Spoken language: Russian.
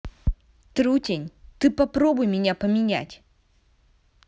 трутень ты попробуй меня поменять